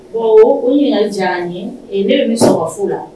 Bon o ɲ diya ye ne bɛ sɔgɔfo la